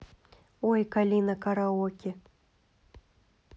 ой калина караоке